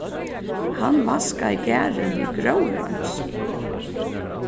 hann vaskaði garðin við gróðurreinsi